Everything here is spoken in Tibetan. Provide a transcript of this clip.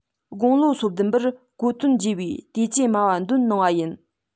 དགུང ལོ སོ བདུན པར གོ དོན རྒྱས པའི བལྟོས བཅས སྨྲ བ བཏོན གནང བ ཡིན